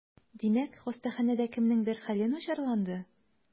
Димәк, хастаханәдә кемнеңдер хәле начарланды?